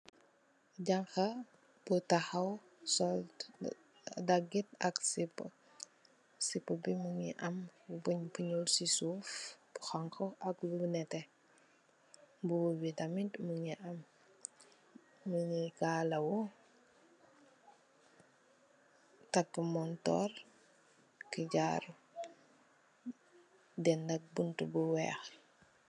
Jàngha bu tahaw sol dagit ak sipu. Sipu bi mungi am wënn bi ñuul ci suuf bu honku ak bu nètè. Mbubu bi tamit mungi am, mungi kalawu, takk montorr, takk jaaro den dag buntu bu weeh.